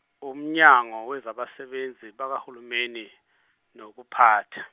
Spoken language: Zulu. uMnyango wezaBasebenzi bakaHulumeni , nokuPhatha.